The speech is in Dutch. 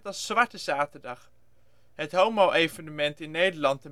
Zwarte Zaterdag. Het homo-evenement in Nederland